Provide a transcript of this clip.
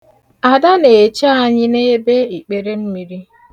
Ada na-eche anyị n'ebe ikperemmiri.